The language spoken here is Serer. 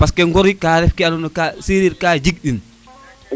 parce ŋor ka ref ke ando naye sereer ka jeg un